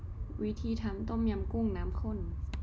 วิธีทำต้มยำกุ้งน้ำข้น